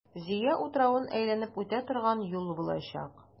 Зөя утравын әйләнеп үтә торган юл булачак.